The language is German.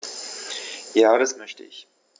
Ja, das möchte ich.